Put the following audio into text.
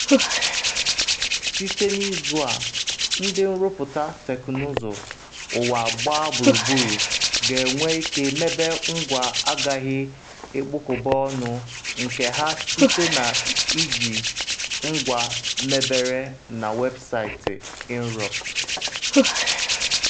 Site n’izu a, ndị nrụpụta teknụzụ ụwa gbaa gburugburu ga-enwe ike mebe ngwa agaghị ekpokọba ọnụ nke ha site n’iji ngwa mebere na websaịtị Inrupt.